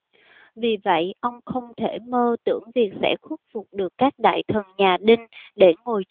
vì vậy ông không thể mơ tưởng việc sẽ khuất phục được các đại thần nhà đinh để ngồi